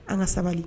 An ka sabali